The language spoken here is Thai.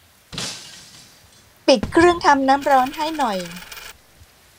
ปิดเครื่องทำน้ำร้อนให้หน่อย